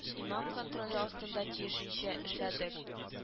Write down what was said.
Имам контроле астында тиешенчә эшләдек